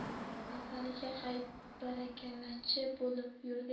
avvaliga haybarakallachi bo'lib yurdi